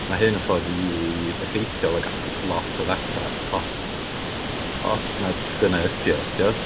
Ma' hyn yn ffordd rili effeithiol o gasglu lot o ddata, os os 'na dyna ydy o tibod?